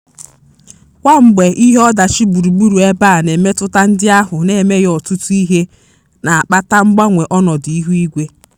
Kwamgbe, ihe ọdachi gburugburu ebe a na-emetụta ndị ahụ na-emeghị ọtụtụ ihe na-akpata mgbanwe ọnọdụ ihu igwe.